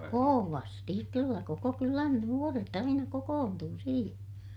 kovasti kyllä koko kylän nuoret aina kokoontui siihen